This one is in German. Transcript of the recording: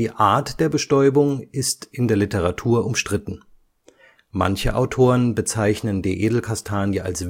Art der Bestäubung ist in der Literatur umstritten. Manche Autoren bezeichnen die Edelkastanie als